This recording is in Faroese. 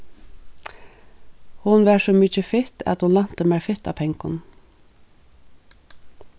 hon var so mikið fitt at hon lænti mær fitt av pengum